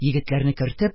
Егетләрне кертеп,